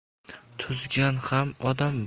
tuzgan ham odam